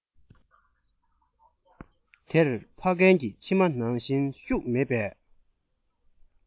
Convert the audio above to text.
དེར ཕ རྒན གྱི མཆིལ མ ནང བཞིན ཤུགས མེད པས